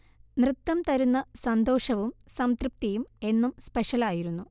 നൃത്തം തരുന്ന സന്തോഷവും സംതൃപ്തിയും എന്നും സ്പെഷൽ ആയിരുന്നു